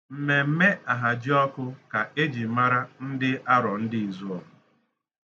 Mmemme ahajiọkụ ka e ji mara ndị Arọndịzuọgụ.